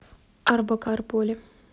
арбокар поле